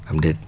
am déet